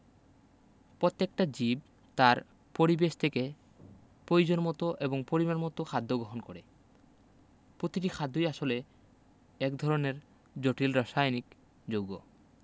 প্রত্যেকটা জীব তার পরিবেশ থেকে প্রয়োজনমতো এবং পরিমাণমতো খাদ্য গ্রহণ করে প্রতিটি খাদ্যই আসলে এক ধরনের জটিল রাসায়নিক যৌগ